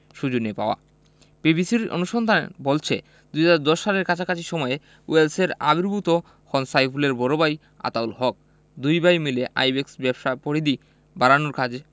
সৌজন্যে পাওয়া বিবিসির অনুসন্ধান বলছে ২০১০ সালের কাছাকাছি সময়ে ওয়েলসের আবির্ভূত হন সাইফুলের বড় ভাই আতাউল হক দুই ভাই মিলে আইব্যাকসের ব্যবসার পরিধি বাড়ানোর কাজ